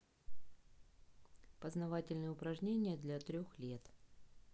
познавательные упражнения для трех лет